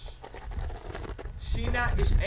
China is